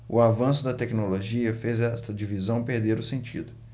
o avanço da tecnologia fez esta divisão perder o sentido